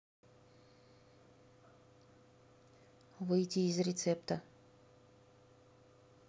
выйти из рецепта